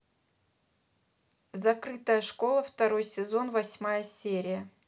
закрытая школа второй сезон восьмая серия